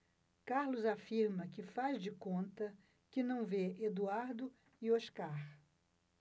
carlos afirma que faz de conta que não vê eduardo e oscar